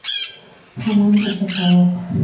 hamon o'sha sovuq